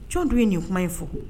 Jɔn dun ye nin kuma info